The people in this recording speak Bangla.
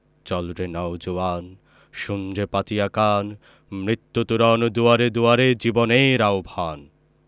চল রে নও জোয়ান শোন রে পাতিয়া কান মৃত্যু তরণ দুয়ারে দুয়ারে জীবনের আহবান